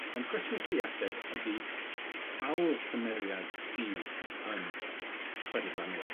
ond cwestiyn i chi ateb ydi sawl cymeriad sydd yn chwedl Branwen?